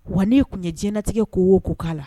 Wa n'e tun ye diɲɛnatigɛ ko o ko k'a la